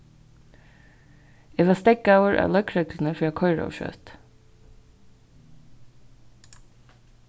eg varð steðgaður av løgregluni fyri at koyra ov skjótt